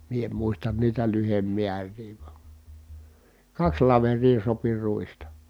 minä en muista niitä lyhdemääriä vaan kaksi laveria sopi ruista